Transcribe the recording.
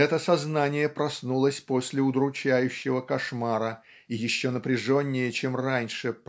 это сознание проснулось после удручающего кошмара и еще напряженнее чем раньше